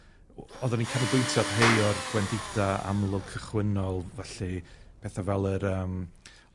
o- oeddan ni'n canolbwyntio rhei o'r gwendida' amlwg cychwynnol, felly, pethe fel yr yym